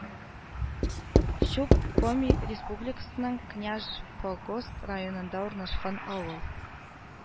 Чуб Коми Республикасының Княжпогост районында урнашкан авыл